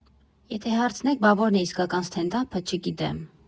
Եթե հարցնեք՝ բա որն է իսկական ստենդափը, չգիտեմ։